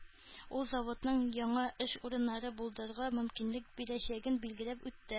Ул заводның яңа эш урыннары булдырырга мөмкинлек бирәчәген билгеләп үтте